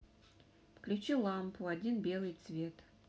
включи лампу один белый цвет